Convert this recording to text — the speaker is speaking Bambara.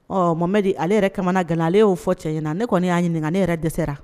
Ɔ momɛdi ale yɛrɛ kamana gan alelen y'o fɔ cɛ in na ne kɔni y'a ɲininka ne yɛrɛ dɛsɛra